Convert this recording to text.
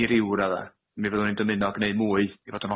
i ryw radda mi fyddwn ni'n dymuno gneu mwy i fod yn